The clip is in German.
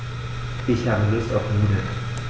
Ich habe Lust auf Nudeln.